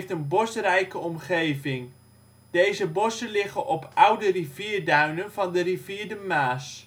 een bosrijke omgeving. Deze bossen liggen op oude rivierduinen van de rivier de Maas